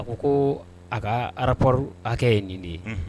A ko ko a ka rapport hakɛ ye nin de ye